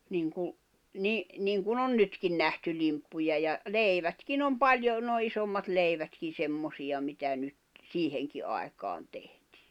niin kuin - niin kuin on nytkin nähty limppuja ja leivätkin on paljon noin isommat leivätkin semmoisia mitä nyt siihenkin aikaan tehtiin